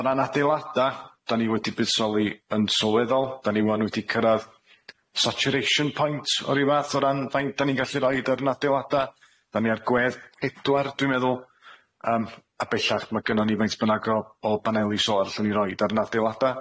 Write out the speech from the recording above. O ran adeilada da ni wedi buddsoli yn sylweddol da ni 'wan wedi cyrradd saturation point o ryw fath o ran faint da ni'n gallu roid ar yn adeilada, da ni ar gwedd pedwar dwi'n meddwl, yym a bellach ma' gynnon ni faint bynnag o o baneli solar allwn ni roid ar yn adeilada.